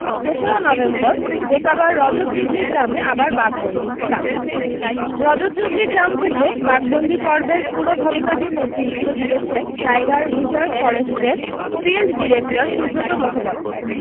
তেশরা November গোসাবার রজতজুবলি গ্রামে আবার বাঘবন্দি কাণড রজতজুবলি গ্রাম থেকে বাঘ বন্দি পর্বের পুরো ঘটনাটির নেতৃত্ব দিয়েছেন টাইগার রিজার্ভ ফরেস্টের ফিল্ড ডিরেকটর সুব্রত মুখোপাধ্যায়